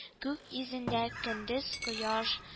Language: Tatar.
Күк йөзендә көндез — кояш